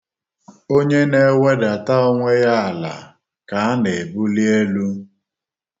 Onye na-ewedata onwe ya ala ka a na-ebuli elu.